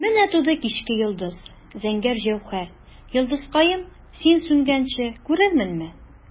Менә туды кичке йолдыз, зәңгәр җәүһәр, йолдызкаем, син сүнгәнче күрерменме?